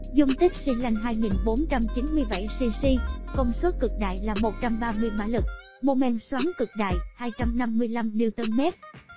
dung tích xy lanh cm công suất cực đại là mã lực momen xoắn cực đại n m